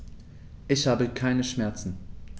Ich habe keine Schmerzen.